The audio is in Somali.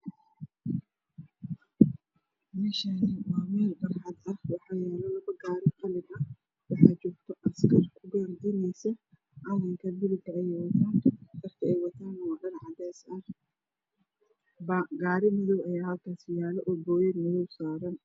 Meeshaan waa meel barxad ah waxaa yaalo labo gaari qalin ah waxaa joogta askar waardi yaynayso calanka baluga ayay wataan dharka ay wataana waa dhar cadays ah gaari madow ayaa halkaas yaalo oo booyad madow saaran.